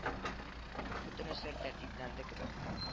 Бөтенесе тәртипләнде кебек